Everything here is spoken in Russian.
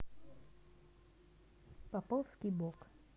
поповский бог